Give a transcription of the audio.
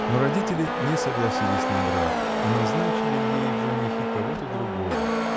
Но родители не согласились на брак, а назначили ей в женихи кого-то другого.